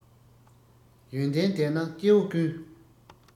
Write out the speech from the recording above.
ཡོན ཏན ལྡན ན སྐྱེ བོ ཀུན